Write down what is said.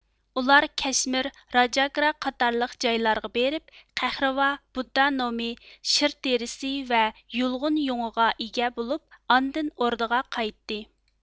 ئۇلار كەشمىر راجاگرا قاتارلىق جايلارغا بېرىپ قەھرىۋا بۇددا نومى شىر تېرىسى ۋە يۇلغۇن يۇڭىغا ئىگە بولۇپ ئاندىن ئوردىغا قايتتى